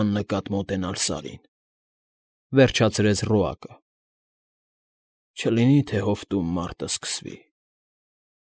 Աննկատ մոտենալ Սարին,֊ վերջացրեց Ռոակը։֊ Չլինի թե հովտում մարտն սկսվի։